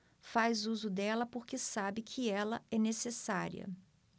faz uso dela porque sabe que ela é necessária